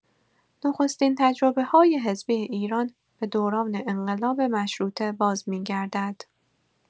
نخستین تجربه‌های حزبی ایران به دوران انقلاب مشروطه بازمی‌گردد.